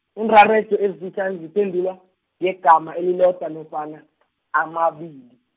iinrarejo ezifitjhani ziphendulwa, ngegama elilodwa nofana, amabili.